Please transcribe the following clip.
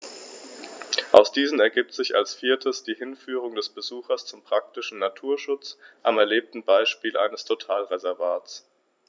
Aus diesen ergibt sich als viertes die Hinführung des Besuchers zum praktischen Naturschutz am erlebten Beispiel eines Totalreservats.